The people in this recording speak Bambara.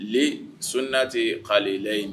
Li sunnati khali layili